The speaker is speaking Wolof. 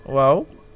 waaw